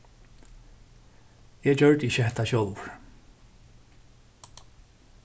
eg gjørdi ikki hetta sjálvur